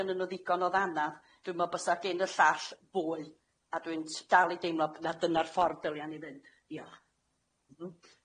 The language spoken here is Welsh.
gynnyn nw ddigon o ddanadd, dwi me'wl bysa gin y llall fwy a dwi'n t- dal i deimlo b- na dyna'r ffordd dylia ni fynd. Diolch.